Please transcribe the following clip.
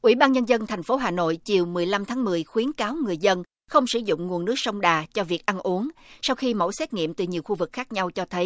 ủy ban nhân dân thành phố hà nội chiều mười lăm tháng mười khuyến cáo người dân không sử dụng nguồn nước sông đà cho việc ăn uống sau khi mẫu xét nghiệm từ nhiều khu vực khác nhau cho thấy